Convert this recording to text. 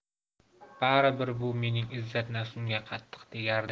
bari bir bu mening izzat nafsimga qattiq tegardi